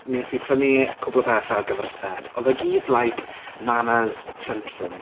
Wnes i prynu cwbl o bethau ar gyfer y set. Oedd e gyd like Nana's front room.